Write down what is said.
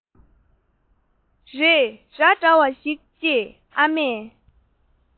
རེད ར འདྲ བ ཞིག ཅེས ཨ མས